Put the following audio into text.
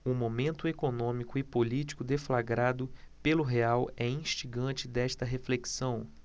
o momento econômico e político deflagrado pelo real é instigante desta reflexão